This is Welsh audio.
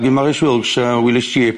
Gy' Maurice Wilks yy Willys Jeep